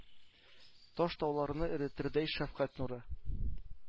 Таш-тауларны эретердәй шәфкать нуры